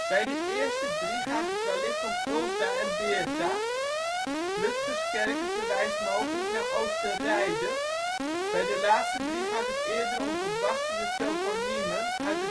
Bij de eerste drie gaat het wellicht om Ulsda en Beerta, Ludgerskerke verwijst mogelijk naar Oosterreide, bij de laatste drie gaat het eerder om verbasterde toponiemen uit